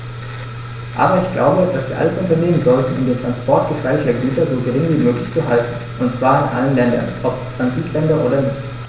Aber ich glaube, dass wir alles unternehmen sollten, um den Transport gefährlicher Güter so gering wie möglich zu halten, und zwar in allen Ländern, ob Transitländer oder nicht.